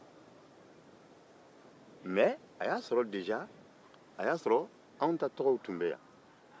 mɛ a y'a sɔrɔ anw ta tɔgɔw tun bɛ yan